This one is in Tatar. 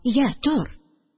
Йә, тор